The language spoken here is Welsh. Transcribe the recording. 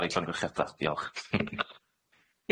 Sori, llongyfarchiada, diolch.